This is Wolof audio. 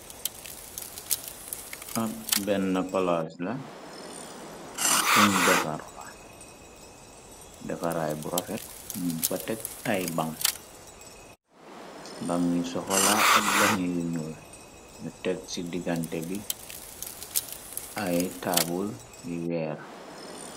Ab bena plase la fuñ defar la defaraay bu rafet mugfa tek ay bang bang yu sokola ak bang yu nuul nu teg ci digante bi ay taabul yi weex.